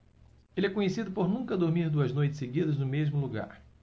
ele é conhecido por nunca dormir duas noites seguidas no mesmo lugar